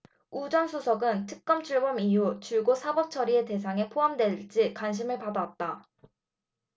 우 전 수석은 특검 출범 이후 줄곧 사법처리 대상에 포함될지 관심을 받아왔다